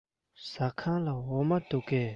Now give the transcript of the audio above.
ཟ ཁང ལ འོ མ འདུག གས